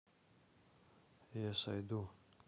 ес ай ду